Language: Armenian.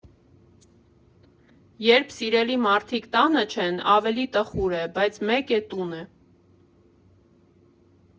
Երբ սիրելի մարդիկ տանը չեն, ավելի տխուր է, բայց մեկ է՝ տուն է։